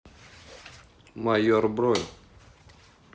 майор бронь